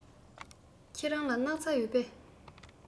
ཁྱེད རང ལ སྣག ཚ ཡོད པས